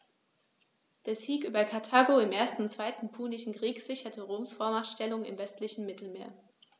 Der Sieg über Karthago im 1. und 2. Punischen Krieg sicherte Roms Vormachtstellung im westlichen Mittelmeer.